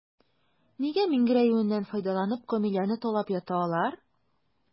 Нигә миңгерәюеннән файдаланып, Камиләне талап ята алар?